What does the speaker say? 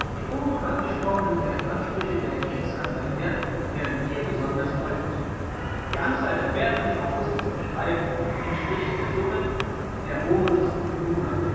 Die oben angesprochenen Ansprüche Vergils an sein Werk werden hier besonders deutlich: Die Anzahl der Verse, die Augustus beschreiben, entspricht der Summe der Romulus und Numa